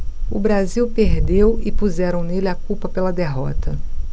o brasil perdeu e puseram nele a culpa pela derrota